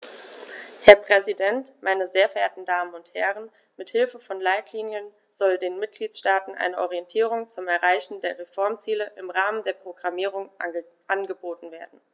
Herr Präsident, meine sehr verehrten Damen und Herren, mit Hilfe von Leitlinien soll den Mitgliedstaaten eine Orientierung zum Erreichen der Reformziele im Rahmen der Programmierung angeboten werden.